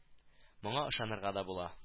Моңа ышанырга да була